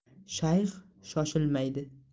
shayx shoshilmaydi